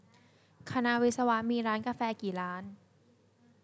คณะวิศวะมีร้านกาแฟกี่ร้าน